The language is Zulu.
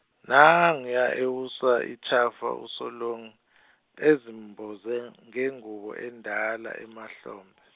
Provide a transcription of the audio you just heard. nanguya ewusa ithafa uSolong-, ezimboze ngengubo endala emahlombe.